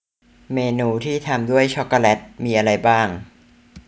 เมนูที่ทำด้วยช็อกโกแลตมีอะไรบ้าง